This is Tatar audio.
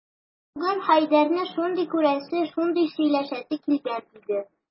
Аның бүген Хәйдәрне шундый күрәсе, шундый сөйләшәсе килгән иде...